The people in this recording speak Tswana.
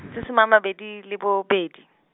tse soma a mabedi le bobedi.